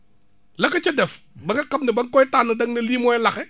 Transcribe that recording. la ko ca def ba nga xam ne ba nga koy tànn da nga ne lii mooy laxe